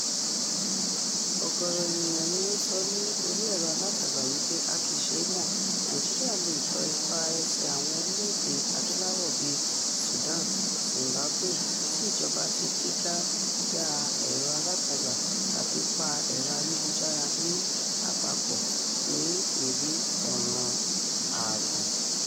Ọ̀gọ̀rọ̀ ènìyàn ni ó sọ ní orí ẹ̀rọ-alátagbà wípé a kì í ṣe é mọ̀, Nàìjíríà lè tọ ipa ẹsẹ̀ àwọn orílẹ̀-èdè Adúláwọ̀ [bíi Sudan, Zimbabwe] tí ìjọba ti dígàgá ẹ̀rọ-alátagbà tàbí pa ẹ̀rọ-ayélujára ní àpapọ̀ ní ìrí ọ̀ràn ààbò.